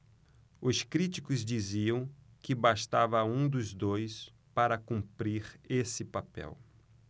os críticos diziam que bastava um dos dois para cumprir esse papel